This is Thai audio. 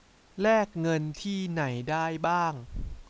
แลกเงินที่ไหนได้บ้าง